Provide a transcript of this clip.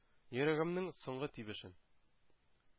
Йөрәгемнең соңгы тибешен!